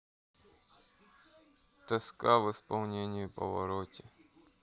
тоска в исполнении паваротти